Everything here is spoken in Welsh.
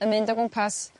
yn mynd o gwmpas